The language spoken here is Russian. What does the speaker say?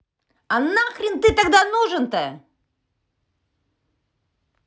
а нахрен ты тогда нужен то